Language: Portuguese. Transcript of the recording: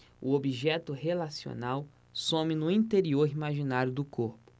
o objeto relacional some no interior imaginário do corpo